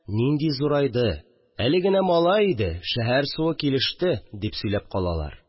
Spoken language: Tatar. Нинди зурайды, әле генә малай иде, шәһәр суы килеште», – дип сөйләп калалар